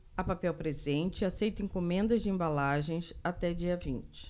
a papel presente aceita encomendas de embalagens até dia vinte